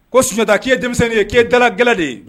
Ko sunjatata k'i denmisɛnnin ye k'e dala gɛlɛn de ye